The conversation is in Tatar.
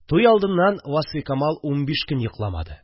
Туй алдыннан Васфикамал унбиш көн йокламады